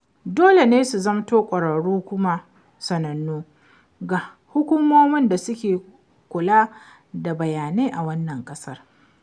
Dole ne su zamto ƙwararru kuma sanannu ga hukumomin da suke kula da bayanai a wannan ƙasar.